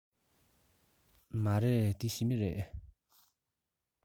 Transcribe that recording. མ རེད འདི ཞི མི རེད